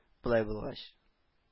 Болай булгач